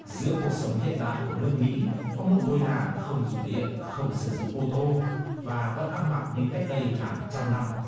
giữa cuộc sống hiện đại của nước mỹ có một ngôi làng không dùng điện không sử dụng ô tô và vẫn ăn mặc như cách đây hàng trăm năm